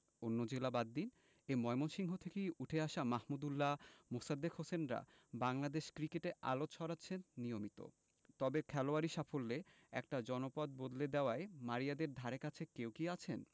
অন্য জেলা বাদ দিন এ ময়মনসিংহ থেকেই উঠে আসা মাহমুদউল্লাহ মোসাদ্দেক হোসেনরা বাংলাদেশ ক্রিকেটে আলো ছড়াচ্ছেন নিয়মিত তবে খেলোয়াড়ি সাফল্যে একটা জনপদ বদলে দেওয়ায় মারিয়াদের ধারেকাছে কেউ কি আছেন